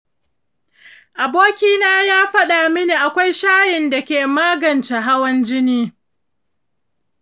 aboki na ya faɗa min akwai shayin dake magance hawan jini